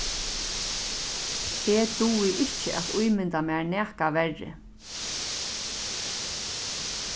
eg dugi ikki at ímynda mær nakað verri